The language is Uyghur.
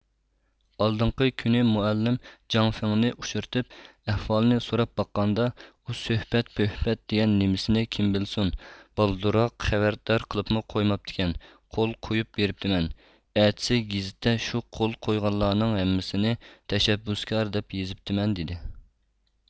ئالدىنقى كۈنى مۇئەللىم جاڭ فېڭنى ئۇچرىتىپ ئەھۋالنى سوراپ باققاندا ئۇ سۆھبەت پۆھبەت دېگەن نېمىسىنى كىم بىلسۇن بالدۇرراق خەۋەردار قىلىپمۇ قويماپتىكەن قول قويۇپ بېرىپتىمەن ئەتىسى گېزىتتە شۇ قول قويغانلارنىڭ ھەممىسىنى تەشەببۇسكار دەپ يېزىپتىمەن دېدى